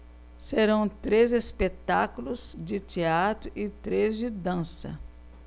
serão três espetáculos de teatro e três de dança